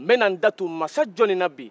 n bɛ na n da don masa jɔn na bi